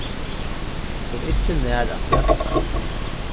sum ikki nær at bremsa